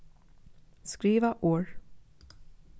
skriva orð